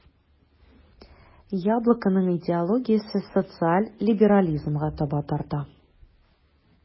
"яблоко"ның идеологиясе социаль либерализмга таба тарта.